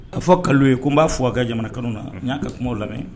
A fɔ kalo ye ko n b'a fɔ a ka jamana kanu na n y'a ka kuma lamɛn